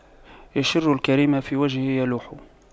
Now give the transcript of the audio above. بِشْرُ الكريم في وجهه يلوح